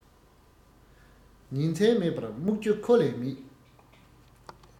ཉིན མཚན མེད པར རྨུག རྒྱུ ཁོ ལས མེད